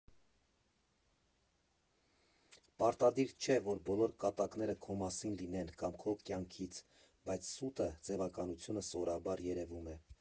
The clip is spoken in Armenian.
Պարտադիր չէ, որ բոլոր կատակները քո մասին լինեն կամ քո կյանքից, բայց սուտը, ձևականությունը սովորաբար երևում է։